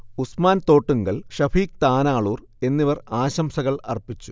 ഉസ്മാൻ തോട്ടുങ്ങൽ, ഷഫീഖ് താനാളൂർ എന്നിവർ ആശംസകൾ അർപ്പിച്ചു